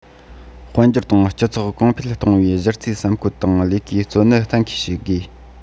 དཔལ འབྱོར དང སྤྱི ཚོགས གོང འཕེལ གཏོང བའི གཞི རྩའི བསམ བཀོད དང ལས ཀའི གཙོ གནད གཏན འཁེལ བྱ དགོས